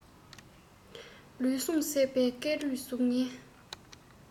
ལུས ཟུངས ཟད པའི ཀེང རུས གཟུགས བརྙན